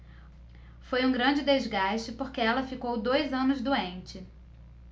foi um grande desgaste porque ela ficou dois anos doente